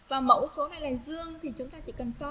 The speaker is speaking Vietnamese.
và mẫu số này dương thì chúng ta chỉ cần